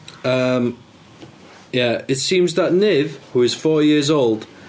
Yym ie it seems that Niv, who is four years old...